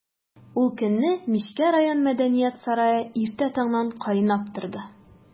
Ул көнне Мишкә район мәдәният сарае иртә таңнан кайнап торды.